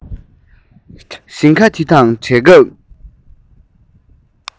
ཞིང ཁ འདི དང བྲལ སྐབས